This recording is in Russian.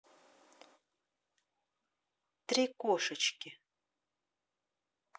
три кошечки